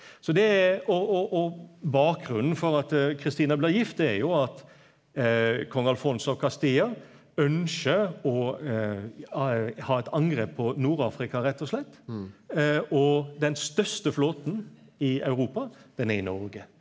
så det og og og bakgrunnen for at Kristina blei gift det er jo at kong Alfonso av Castilla ønskjer å ha eit angrep på Nord-Afrika rett og slett, og den største flåten i Europa den er i Noreg.